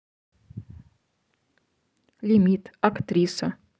лимит актриса